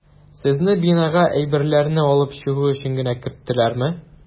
Сезне бинага әйберләрне алып чыгу өчен генә керттеләрме?